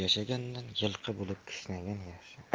yilqi bo'lib kishnagan yaxshi